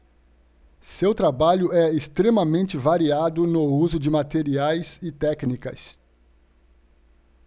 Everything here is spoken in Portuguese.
seu trabalho é extremamente variado no uso de materiais e técnicas